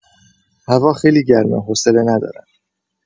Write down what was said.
هوا خیلی گرمه حوصله ندارم